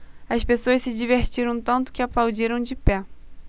as pessoas se divertiram tanto que aplaudiram de pé